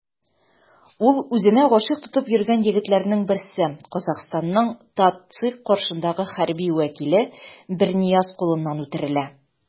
Ул үзенә гашыйк тотып йөргән егетләрнең берсе - Казахстанның ТатЦИК каршындагы хәрби вәкиле Бернияз кулыннан үтерелә.